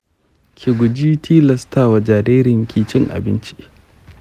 ki guji tilasta wa jaririnki cin abinci.